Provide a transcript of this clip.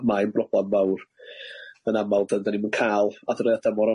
ma- mai'n broblam fawr yn amal dy- 'dan ni'm yn ca'l adroddiada mor